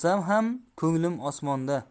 ham ko'nglim osmonda